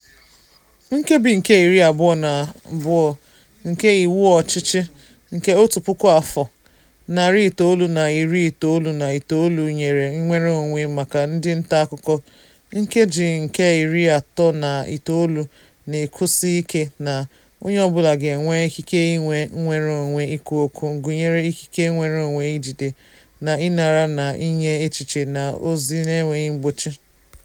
Nkebi nke iri abụọ na abụọ nke iwu ọchịchị nke otu puku afọ, narị itolu na iri itoolu na itoolu nyere nnwereonwe maka ndị ntaakụkọ, Nkeji nke iri atọ na itoolu na-ekwusi ike na ""onye ọbụla ga-enwe ikike inwe nnwereonwe ikwu okwu, gụnyere ikike nnwereonwe ijide, na ịnara na inye echiche na ozi n'enweghị mgbochi...""""